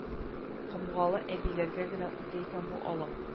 Комгалы әбиләргә генә үтә икән бу алым